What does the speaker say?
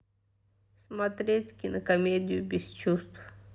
смотреть кинокомедию без чувств